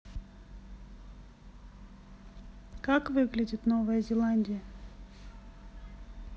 как выглядит новая зеландия